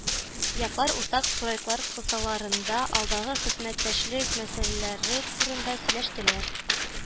Яклар уртак проектлар кысаларында алдагы хезмәттәшлек мәсьәләләре турында сөйләштеләр.